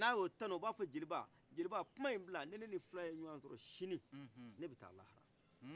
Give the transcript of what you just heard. n'a y'o tanu o ba fɔ jeliba jeliba kuma in bila yan ni ne fila ye ɲɔgɔn sɔrɔ sini ne bi ta lahara